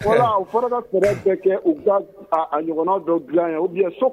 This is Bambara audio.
Fɔlɔ u fɔra ka bɛ kɛ u ɲɔgɔn dɔ dila u so